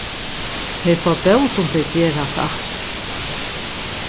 tey fáa bót um tey gera hatta aftur